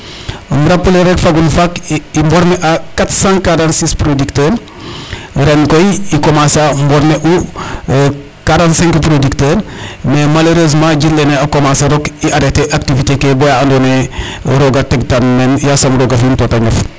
Um rappeler rek e fagun faak i former a 446 producteur ;ren koy i commencer u former u 45 producteur Mais malheuresement jir lene a commencer rok i arreter activité bo ya andoona yee roog a tegtan meen; yaasam roog a fi'in to ta ñof.